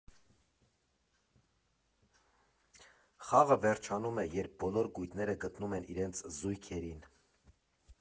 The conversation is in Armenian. Խաղը վերջանում է, երբ բոլոր գույները գտնում են իրենց զույգերին։